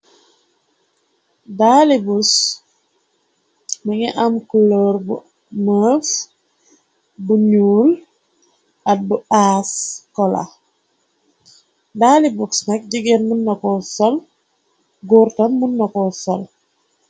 daali bus mi ngi am culër bu mos bu ñuul at bu aas kola daali box nag jigéen mun nakol sol góortam munnakol sol.